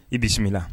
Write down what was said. I bisimila.